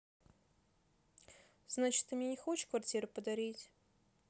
значит ты мне не хочешь квартиру подарить